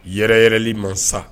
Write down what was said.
Yɛrɛ yɛrɛli mansa